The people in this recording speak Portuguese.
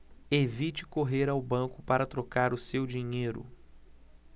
evite correr ao banco para trocar o seu dinheiro